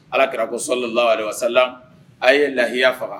Alaki ko solon lala a ye lahiya faga